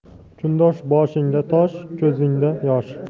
kundosh boshingda tosh ko'zingda yosh